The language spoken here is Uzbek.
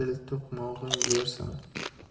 el to'qmog'in yersan